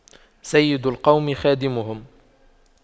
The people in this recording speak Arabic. سيد القوم خادمهم